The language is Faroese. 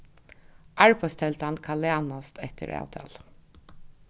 arbeiðstelda kann lænast eftir avtalu